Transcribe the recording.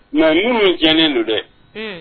Nka minnu u tiɲɛlen don dɛ